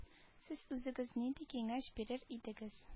Сез үзегез нинди киңәш бирер идегез